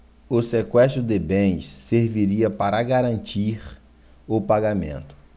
o sequestro de bens serviria para garantir o pagamento